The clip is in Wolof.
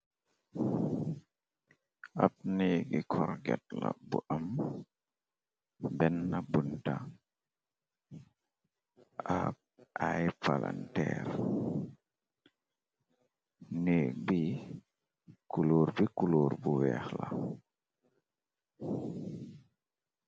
Ab néegi korget la bu am benna bunta ak ay palanteer néeg bi kulóor bi kulóor bu weeh la.